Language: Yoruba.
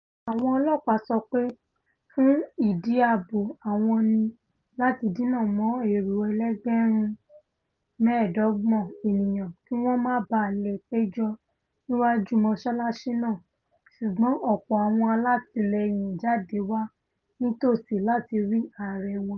Àwọn ọlọ́ọ̀pá sọ pé fún ìdí ààbò àwọn ni làti dínà mọ́ èrò ẹlẹ́gbẹ̀rún mẹ́ẹ̀ẹ́dọ́gbọ̀n ènìyàn kí wọ́n má baà leè péjò níwáju mọ́sálásí náà, ṣùgbọ́n ọ̀pọ̀ àwọn alátìlẹ́yìn jáde wa nítòsí láti rí ààrẹ wọn.